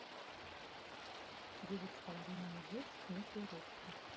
девять с половиной недель с микки рурком